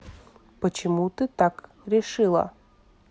почему ты так решила